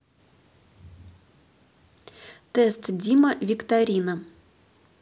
тест дима викторина